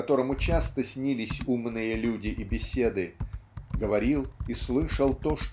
которому часто снились умные люди и беседы говорил и слышал то